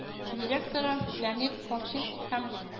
Директоры леонид толчинский һәм